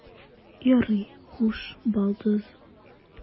Ярый, хуш, балдыз.